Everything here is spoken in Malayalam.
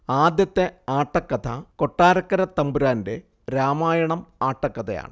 ആദ്യത്തെ ആട്ടക്കഥ കൊട്ടാരക്കര തമ്പുരാന്റെ രാമായണം ആട്ടക്കഥയാണ്